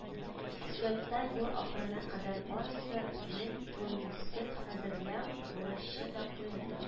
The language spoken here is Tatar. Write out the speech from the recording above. Слетта ел ахырына кадәр барысы мең тонна сөт хәзерләү бурычы да куелды